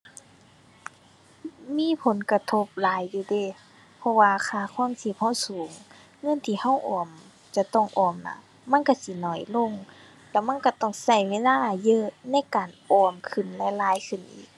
มีผลกระทบหลายอยู่เดะเพราะว่าค่าครองชีพเราสูง เงินที่เราออมจะต้องออมน่ะ มันเราสิน้อยลง แล้วมันเราต้องเราเวลาเยอะในการออมขึ้นหลายหลายขึ้นอีก